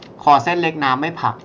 ขอเส้นเล็กน้ำไม่ผัก